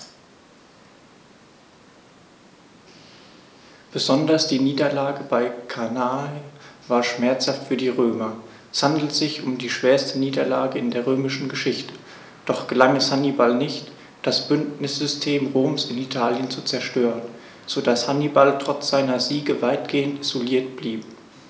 Besonders die Niederlage bei Cannae war schmerzhaft für die Römer: Es handelte sich um die schwerste Niederlage in der römischen Geschichte, doch gelang es Hannibal nicht, das Bündnissystem Roms in Italien zu zerstören, sodass Hannibal trotz seiner Siege weitgehend isoliert blieb.